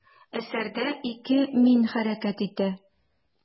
Әсәрдә ике «мин» хәрәкәт итә.